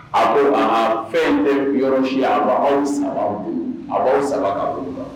A ko aa fɛn bɛ yɔrɔ siya a aw saba a'aw saba ka bolo